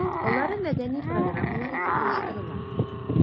Алары мәдәни программалар итеп оештырыла.